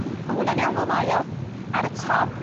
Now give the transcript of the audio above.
ma' hwnna'n iawn fel mae o ar y top